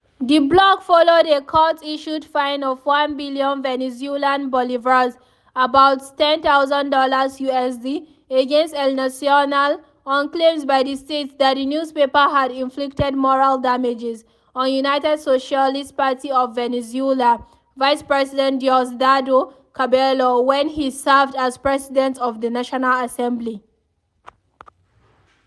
The block followed a court-issued fine of one billion Venezuelan Bolivares (about USD $10,000) against El Nacional, on claims by the state that the newspaper had inflicted “moral damages” on United Socialist Party of Venezuela (PSUV) Vice President Diosdado Cabello, when he served as president of the National Assembly.